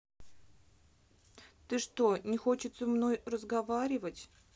ты что не хочеться мной разговаривать